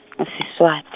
ngeSiswati.